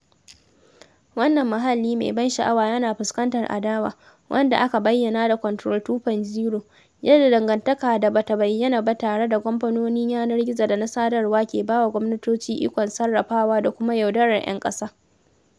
Wannan muhalli mai ban sha'awa yana fuskantar adawa, wanda aka bayyana da "Control 2.0": "... yadda dangantaka da ba ta bayyana ba tare da kamfanonin yanar gizo da na sadarwa ke bawa gwamnatoci ikon sarrafawa da kuma yaudarar 'yan ƙasa."